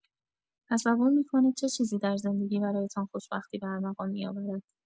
تصور می‌کنید چه چیزی در زندگی برایتان خوشبختی به ارمغان می‌آورد؟